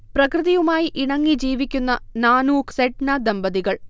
പ്രകൃതിയുമായി ഇണങ്ങി ജീവിക്കുന്ന നാനൂക്ക്, സെഡ്ന ദമ്പതികൾ